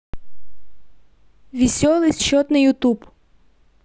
веселый счет на ютуб